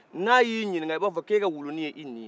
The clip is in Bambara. n'a y'e ɲinika e b'a fɔ k'e ka wulunin ye e ni ye